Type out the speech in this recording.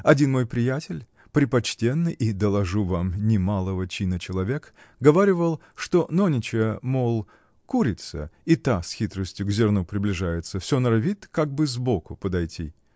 Один мой приятель, препочтенный и, доложу вам, не малого чина человек, говаривал, что нонеча, мол, курица, и та с хитростью к зерну приближается -- все норовит, как бы сбоку подойти.